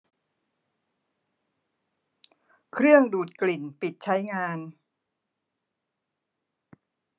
เครื่องดูดกลิ่นปิดใช้งาน